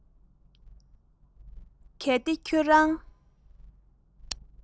གལ ཏེ ཁྱོད རང